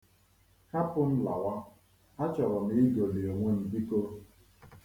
Hapụ m lawa. A chọrọ m igoli onwe m biko.